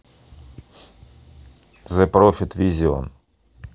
зе профит визион